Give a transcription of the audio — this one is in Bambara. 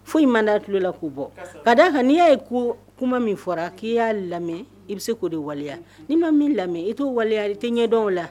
Foyi ma da tulolola k kou bɔ ka d daa kan n'i y'a ye ko kuma min fɔra k'i y'a lamɛn i bɛ se k'o de waleya n'i ma min lamɛn i t'o waleya i tɛ ɲɛdɔn la